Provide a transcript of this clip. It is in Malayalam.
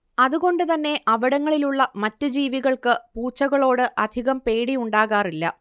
അതുകൊണ്ട് തന്നെ അവിടങ്ങളിലുള്ള മറ്റ് ജീവികൾക്ക് പൂച്ചകളോട് അധികം പേടിയുണ്ടാകാറില്ല